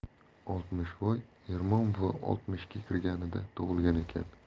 oltmishvoy ermon buva oltmishga kirganda tug'ilgan ekan